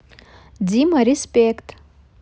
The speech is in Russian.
дима респект